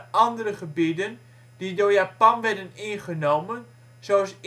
andere gebieden die door Japan werden ingenomen zoals